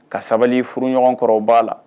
Ka sabali furu ɲɔgɔn kɔrɔw b'a la